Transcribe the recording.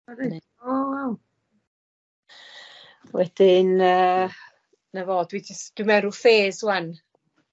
Ma' fe, o waw. Wedyn yy 'na fo dwi jys dwi mewn ryw phase ŵan